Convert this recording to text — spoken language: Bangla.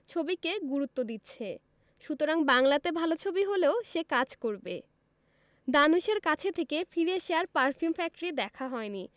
ছবিকে গুরুত্ব দিচ্ছে সুতরাং বাংলাতে ভালো ছবি হলেও সে কাজ করবে ধানুশের কাছে থেকে ফিরে এসে আর পারফিউম ফ্যাক্টরি দেখা হয়নি